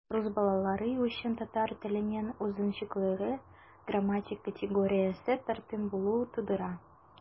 Рус балалары өчен татар теленең үзенчәлекле грамматик категориясе - тартым булуы тудыра.